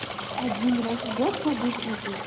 один раз в год сады цветут